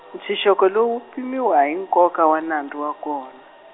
ntshunxeko lowu wu pimiwa hi nkoka wa nandzu wa kona.